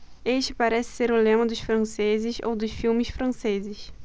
este parece ser o lema dos franceses ou dos filmes franceses